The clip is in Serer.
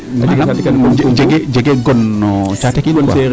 manaan jegee gon no saate ke in quoi